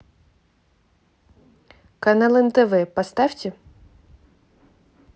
канал нтв поставьте